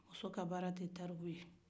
muso ka baara tɛ tariku ye